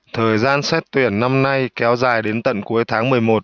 thời gian xét tuyển năm nay kéo dài đến tận cuối tháng mười một